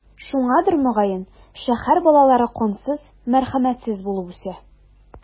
Шуңадыр, мөгаен, шәһәр балалары кансыз, мәрхәмәтсез булып үсә.